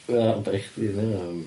Ia ond bai chdi fydd wnna am...